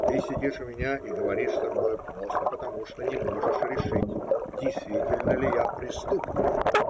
Ты сидишь у меня и говоришь со мною просто потому, что не можешь решить, действительно ли я преступник.